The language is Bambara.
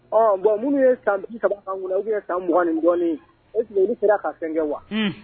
Donc minnu ye san 30 kɛ anw kun na ou bien san 20 ni dɔɔni est ce que olu sera ka fɛn kɛ wa.